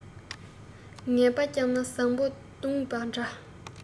ངན པ བསྐྱངས ན བཟང པོ བརྡུངས པ འདྲ